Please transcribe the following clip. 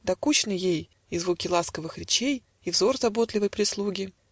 Докучны ей И звуки ласковых речей, И взор заботливой прислуги.